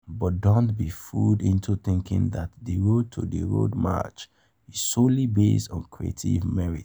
But don't be fooled into thinking that the road to the Road March is solely based on creative merit.